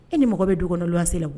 E ni mɔgɔ bɛ du kɔnɔ wanse la